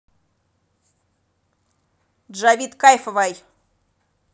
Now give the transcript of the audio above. джавид кайфовай